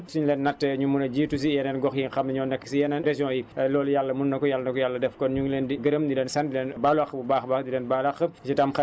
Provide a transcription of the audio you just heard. kon yal na ñu yàlla defal jàmm ba ñun waa commune bu Thiel suñ leen nattee ñu mën a jiitu si yeneen gox yi nga xam ne ñoo nekk si yeneen régions yi loolu yàlla mun na ko yal na ko yàlla def